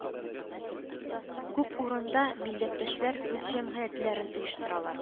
Күп урында милләттәшләр үз җәмгыятьләрен оештыралар